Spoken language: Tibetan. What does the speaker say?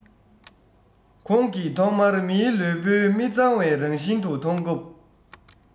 ཁོང གིས ཐོག མར མིའི ལུས པོའི མི གཙང བའི རང བཞིན དུ མཐོང སྐབས